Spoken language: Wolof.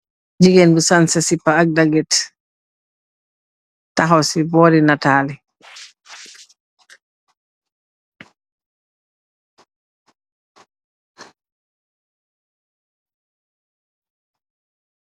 Jigéen bu sanse sipa ak dogit, taxaw si boori nataal.